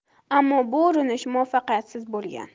ammo bu urinish muvaffaqiyatsiz bo'lgan